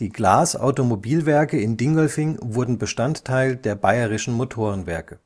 Glas Automobilwerke in Dingolfing wurden Bestandteil der Bayerischen Motorenwerke